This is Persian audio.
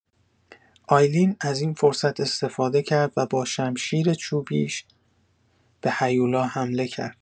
آیلین از این فرصت استفاده کرد و با شمشیر چوبیش به هیولا حمله کرد.